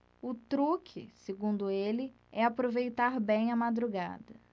o truque segundo ele é aproveitar bem a madrugada